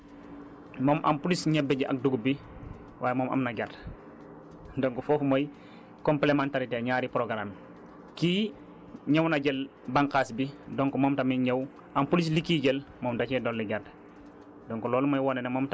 léegi boo xoolee ISRA moom en plus ñebe ji ak dugub bi waaye moom am na gerte ndax bu foofu mooy complèmentarité ñaari programmes yi kii ñëw na jël bànqaas bi donc moom tamit ñëw en plus li kii jël moom da cee dolli gerte